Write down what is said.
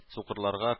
Сукырларга